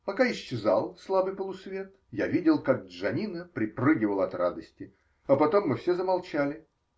Пока исчезал слабый полусвет, я видел, как Джаннино припрыгивал от радости. Потом мы все замолчали.